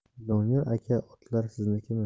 doniyor aka otlar siznikimi